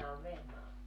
minä olen -